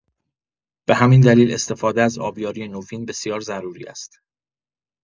به همین دلیل استفاده از آبیاری نوین بسیار ضروری است.